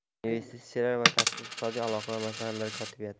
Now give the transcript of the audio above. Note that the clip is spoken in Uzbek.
investitsiyalar va tashqi iqtisodiy aloqalar masalalari kotibiyati